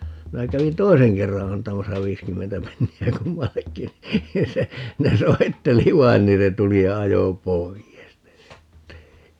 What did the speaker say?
minä kävin toisen kerran antamassa viisikymmentä penniä kummallekin niin ja se ne soitteli vain niin se tuli ja ajoi pois ne sitten